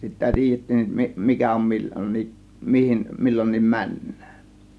sitten tiedettiin - mikä on milloinkin mihin milloinkin mennään